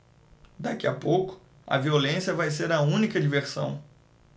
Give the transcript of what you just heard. daqui a pouco a violência vai ser a única diversão